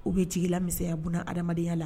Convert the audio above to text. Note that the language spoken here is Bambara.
U bɛ ci la miya bon ha adamadenyaya la